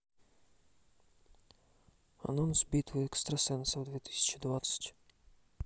анонс битвы экстрасенсов две тысячи двадцать